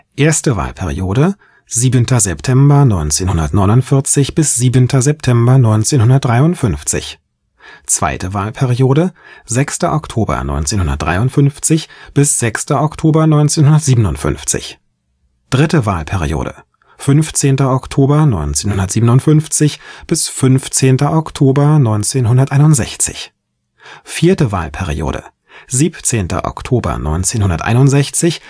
1. Wahlperiode: 7. September 1949 – 7. September 1953 2. Wahlperiode: 6. Oktober 1953 – 6. Oktober 1957 3. Wahlperiode: 15. Oktober 1957 – 15. Oktober 1961 4. Wahlperiode: 17. Oktober 1961 – 17.